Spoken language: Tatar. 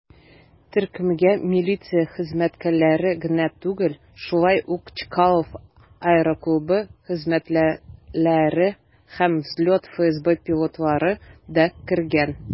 Төркемгә милиция хезмәткәрләре генә түгел, шулай ук Чкалов аэроклубы хезмәткәрләре һәм "Взлет" ФСБ пилотлары да кергән.